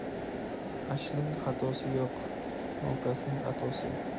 ashling xatosi yo'q nokasning atosi